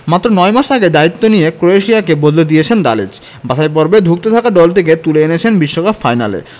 মাত্র ৯ মাস আগে দায়িত্ব নিয়ে ক্রোয়েশিয়াকে বদলে দিয়েছেন দালিচ বাছাই পর্বে ধুঁকতে থাকা দলটিকে তুলে এনেছেন বিশ্বকাপ ফাইনালে